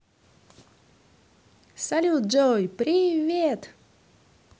салют джой привет